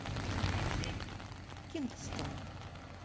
кингстон